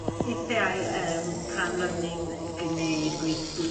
Weithiau yym pan rydyn ni'n gwneud